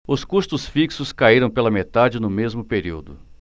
os custos fixos caíram pela metade no mesmo período